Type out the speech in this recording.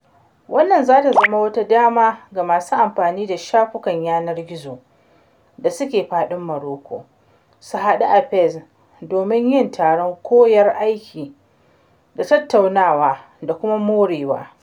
Wannan za ta zama wata dama ga masu amfani da shafukan yanar gizo da suke faɗin Morocco, su haɗu a Fez domin yin taron koyar aiki da tattaunawa da kuma morewa.